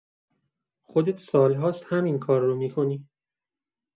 خودت سال‌هاست همین کار رو می‌کنی.